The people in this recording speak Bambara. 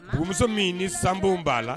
Bmuso min ni san b'a la